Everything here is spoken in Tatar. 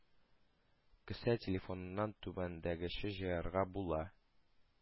Кесә телефоныннан түбәндәгечә җыярга була: